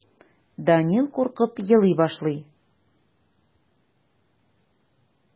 Данил куркып елый башлый.